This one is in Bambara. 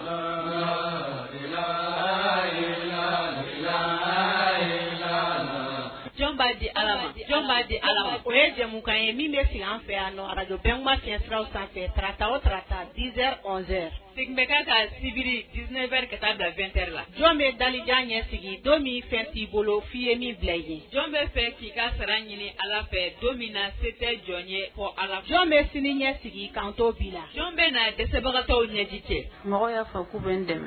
Di di ala o ye jɛmukan ye min bɛ si an fɛ yan araj ka cɛ siraw sanfɛ pata o sarata diz sen bɛ ka ka sibiri diinɛ bɛ ka taa daɛ la jɔn bɛ dajan ɲɛsigi don min fɛn'i bolo f fii ye min bila ye jɔn bɛ fɛ k' i ka sara ɲini ala fɛ don min na sesɛ jɔn ye fɔ a jɔn bɛ sini ɲɛsigi kan to b la jɔn bɛ na dɛsɛbagatɔw ɲɛdi cɛ mɔgɔ y'a fɔ ku bɛ dɛmɛ